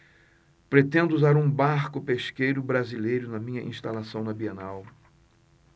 pretendo usar um barco pesqueiro brasileiro na minha instalação na bienal